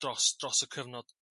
dos dros y cyfnod